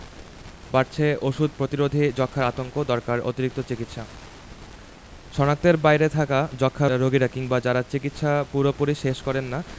বাড়ছে ওষুধ প্রতিরোধী যক্ষ্মার আতঙ্ক দরকার অতিরিক্ত চিকিৎসা শনাক্তের বাইরে থাকা যক্ষ্মা রোগীরা কিংবা যারা চিকিৎসা পুরোপুরি শেষ করেন না